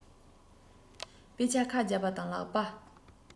དཔེ ཆ ཁ བརྒྱབ པ དང ལག པ